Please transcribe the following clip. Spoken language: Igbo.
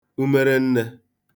umerennē